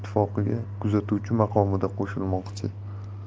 ittifoqiga kuzatuvchi maqomida qo'shilmoqchi